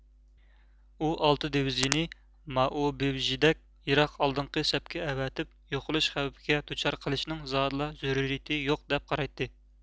ئۇ ئالتە دېۋىزىيىنى مائۇبىۋژىدەك يىراق ئالدىنقى سەپكە ئەۋەتىپ يوقىلىش خەۋپىگە دۇچار قىلىشنىڭ زادىلا زۆرۈرىيىتى يوق دەپ قارايتتى